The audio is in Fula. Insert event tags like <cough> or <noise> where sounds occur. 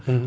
<hesitation> <hesitation>